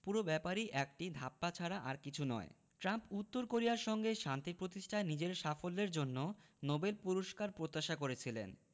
পুরো ব্যাপারই একটা ধাপ্পা ছাড়া আর কিছু নয় ট্রাম্প উত্তর কোরিয়ার সঙ্গে শান্তি প্রতিষ্ঠায় নিজের সাফল্যের জন্য নোবেল পুরস্কার প্রত্যাশা করেছিলেন